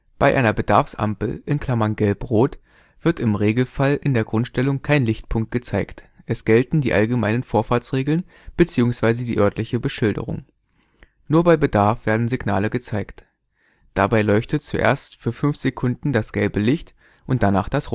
Bei einer Bedarfsampel (Gelb-Rot) wird im Regelfall in der Grundstellung kein Lichtpunkt gezeigt, es gelten die allgemeinen Vorfahrtsregeln bzw. die örtliche Beschilderung. Nur bei Bedarf werden Signale gezeigt. Dabei leuchtet zuerst für fünf Sekunden das gelbe Licht und danach das